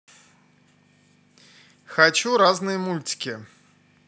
хочу разные мультики